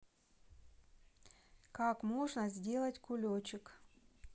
как можно сделать кулечек